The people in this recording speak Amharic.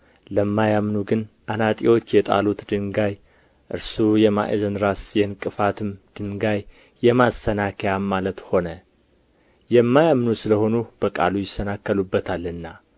ለማያምኑ ግን አናጢዎች የጣሉት ድንጋይ እርሱ የማዕዘን ራስ የዕንቅፋትም ድንጋይ የማሰናከያም ዓለት ሆነ የማያምኑ ስለ ሆኑ በቃሉ ይሰናከሉበታልና